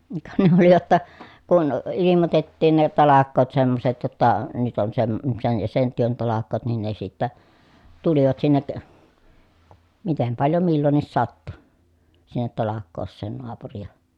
ka ne oli jotta kun ilmoitettiin ne talkoot semmoiset jotta nyt on - sen ja sen työn talkoot niin ne sitten tulivat sinne miten paljon milloinkin sattui sinne talkooseen naapuria